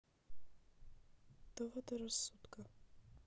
доводы рассудка